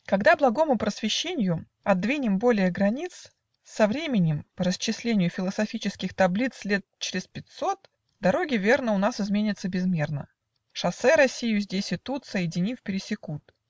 Когда благому просвещенью Отдвинем более границ, Современем (по расчисленью Философических таблиц, Лет чрез пятьсот) дороги, верно, У нас изменятся безмерно: Шоссе Россию здесь и тут, Соединив, пересекут.